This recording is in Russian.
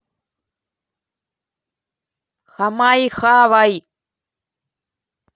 хамай и хавай